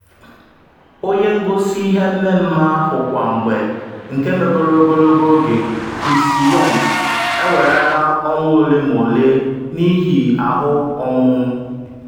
Onye ngosi ihe mmemme ahụ kwa mgbe nke megoro ogologo oge, Kirsty Young, enwerela ọnwa ole ma ole n’ihi ahụ ọnwụnwụ.